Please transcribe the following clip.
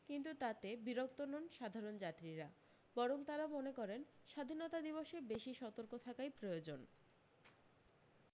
কিন্তু তাতে বিরক্ত নন সাধারণ যাত্রীরা বরং তাঁরা মনে করেন স্বাধীনতা দিবসে বেশী সতর্ক থাকাই প্রয়োজন